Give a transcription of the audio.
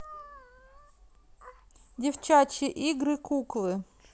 девчачьи игры куклы